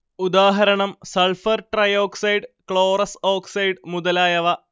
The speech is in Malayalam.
ഉദാഹരണം സൾഫർ ട്രൈഓക്സൈഡ് ക്ലോറസ് ഓക്സൈഡ് മുതലായവ